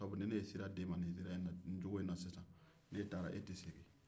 a ko ni ne ye sira di e ma ni sira in na-ni cogo in na sisan ni e taara e tɛ segin